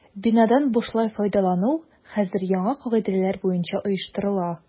Бинадан бушлай файдалану хәзер яңа кагыйдәләр буенча оештырыла.